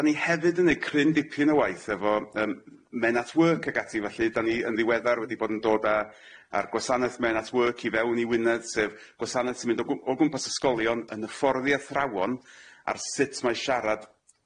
Da ni hefyd yn neu' cryn dipyn o waith efo yym men at work ag ati felly dan ni yn ddiweddar wedi bod yn dod a'r gwasaneth men at work i fewn i Wynedd sef gwasaneth sy'n mynd o gw- o gwmpas ysgolion yn hyfforddi athrawon ar sut mae siarad